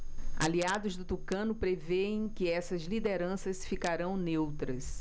aliados do tucano prevêem que essas lideranças ficarão neutras